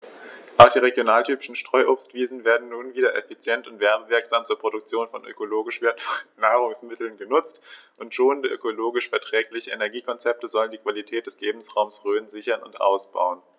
Auch die regionaltypischen Streuobstwiesen werden nun wieder effizient und werbewirksam zur Produktion von ökologisch wertvollen Nahrungsmitteln genutzt, und schonende, ökologisch verträgliche Energiekonzepte sollen die Qualität des Lebensraumes Rhön sichern und ausbauen.